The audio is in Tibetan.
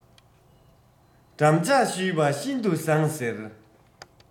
འགྲམ ལྕག གཞུས པ ཤིན དུ བཟང ཟེར